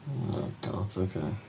O God, oce.